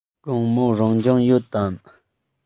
དགོང མོ རང སྦྱོང ཡོད དམ